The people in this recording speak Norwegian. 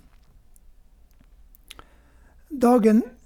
Dagen...